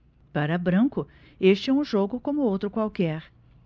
para branco este é um jogo como outro qualquer